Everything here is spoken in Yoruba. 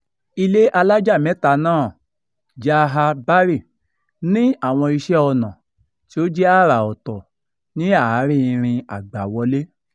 Ilé alájà-mẹ́ta náà “Jahaj Bari” ní àwọn iṣẹ́ ọnà tí ó jẹ́ àrà ọ̀tọ̀ ní ara irin àgbọ́wọ́lé.